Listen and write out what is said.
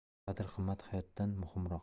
qadr qimmat hayotdan muhimroq